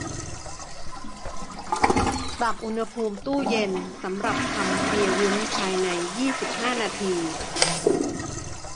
ปรับอุณหภูมิตู้เย็นสำหรับทำเบียร์วุ้นภายในยี่สิบห้านาที